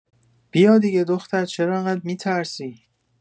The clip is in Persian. بیا دیگه دختر چرا انقد می‌ترسی؟